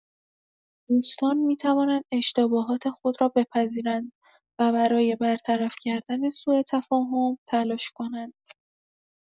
دوستان می‌توانند اشتباهات خود را بپذیرند و برای برطرف کردن سوءتفاهم تلاش کنند.